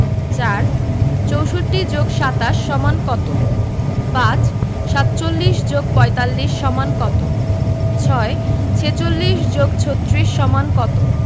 ৪ ৬৪ + ২৭ = কত ৫ ৪৭ + ৪৫ = কত ৬ ৪৬ + ৩৬ = কত